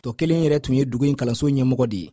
tɔ kelen yɛrɛ tun ye dugu in kalanso ɲɛmɔgɔ de ye